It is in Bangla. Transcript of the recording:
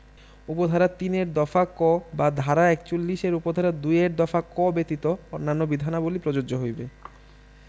উপ ধারা ৩ এর দফা ক বা ধারা ৪১ এর উপ ধারা ২ এর দফা ক ব্যতীত অন্যান্য বিধানাবলী প্রযোজ্য হইবে